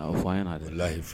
A fɔ an ye'a de layi